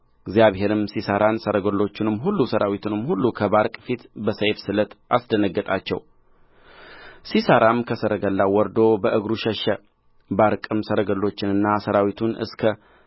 እግዚአብሔርም ሲሣራን ሰረገሎቹንም ሁሉ ሠራዊቱንም ሁሉ ከባርቅ ፊት በሰይፍ ስለት አስደነገጣቸው ሲሣራም ከሰረገላው ወርዶ በእግሩ ሸሸ ባርቅም ሰረገሎችንና ሠራዊቱን እስከ